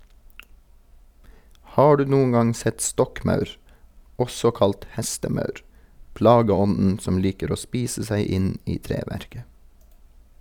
Har du noen gang sett stokkmaur, også kalt hestemaur, plageånden som liker å spise seg inn i treverket?